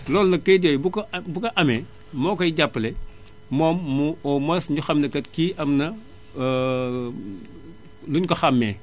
loolu nag kayit yooyu bu ko a bu ko amee moo koy jàppale moom mu au moins ñu xam ne kay kii am na lu ñu ko xàmmee